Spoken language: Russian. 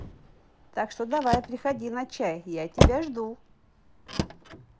так что давай приходи на чай я тебя жду